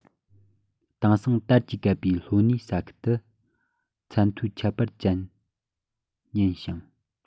དེང སང དར གྱིས བཀབ པའི ལྷོ སྣེའི ས ཁུལ དུ ཚད མཐོའི ཁྱད པར ཅན ཡིན ཞིང